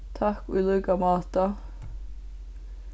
takk í líka máta